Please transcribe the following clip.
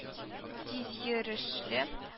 Тизйөрешле